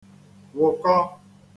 wụ̀kọ